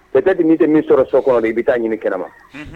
Peut être n'i tɛ min sɔrɔ so kɔnɔ de i bɛ ta'a ɲini kɛnɛma